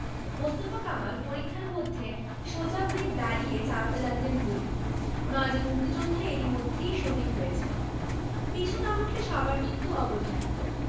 মোস্তফা কামাল পরিখার মধ্যে সোজা হয়ে দাঁড়িয়ে চালাতে লাগলেন গুলি নয়জন মুক্তিযোদ্ধা এর মধ্যেই শহিদ হয়েছেন পিছু না হটলে সবার মৃত্যু অবধারিত